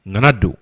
Nanaana don